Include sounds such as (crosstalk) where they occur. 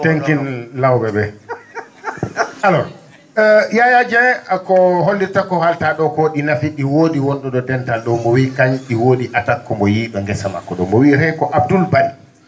tenkin law?e?ee (laughs) alors yaya Dieng ako hollitta ko haalta ?oko ?i naafi ?i wodi won?o ?o dental ?o o wi kañ?i ne wodi attaque komi yi ?o ngesa makko ?o o wiyate ko Abdoul Barry